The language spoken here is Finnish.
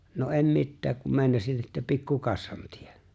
no en mitään kun meinasin että pikku kassan teen